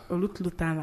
Olu t' la